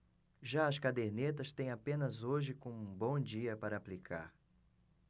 já as cadernetas têm apenas hoje como um bom dia para aplicar